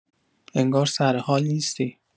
انگار سرحال نیستی.